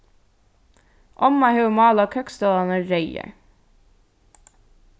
omma hevur málað køksstólarnar reyðar